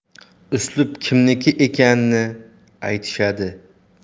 uslub kimniki ekanini aytishadi